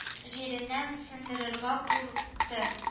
Җиреннән сындырырга курыкты